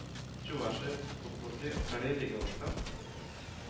Чувашия, Удмуртия, Карелиягә барсам,